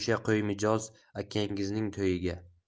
qo'ymijoz akangizning to'yiga